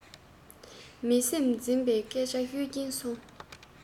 མི སེམས འཛིན པའི སྐད ཆ ཤོད ཀྱིན སོང